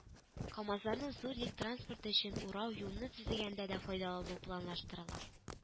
КамАЗларны зур йөк транспорты өчен урау юлны төзегәндә дә файдалану планлаштырыла